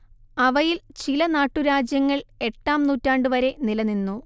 അവയിൽ ചില നാട്ടുരാജ്യങ്ങൾ എട്ടാം നൂറ്റാണ്ടുവരെ നിലനിന്നു